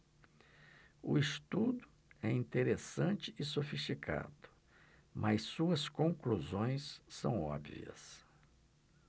o estudo é interessante e sofisticado mas suas conclusões são óbvias